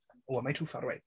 Oh am I too far away?